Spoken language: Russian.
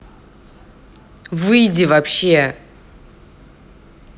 выйди вообще